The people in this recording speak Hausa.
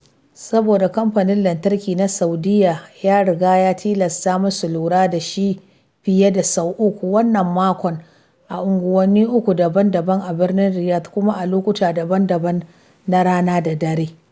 Saboda Kamfanin Lantarki na Saudiyya (SEC) ya riga ya tilasta masa lura da shi fiye da sau uku wannan makon, a unguwanni uku daban-daban a birnin Riyadh, kuma a lokuta daban-daban na rana da dare.